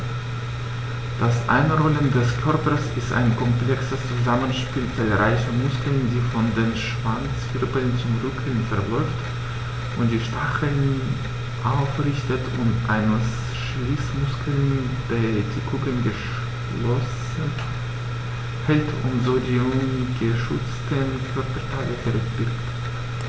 Das Einrollen des Körpers ist ein komplexes Zusammenspiel zahlreicher Muskeln, der von den Schwanzwirbeln zum Rücken verläuft und die Stacheln aufrichtet, und eines Schließmuskels, der die Kugel geschlossen hält und so die ungeschützten Körperteile verbirgt.